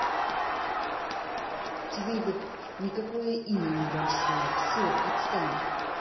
тебе бы никакое имя небольшое все отстань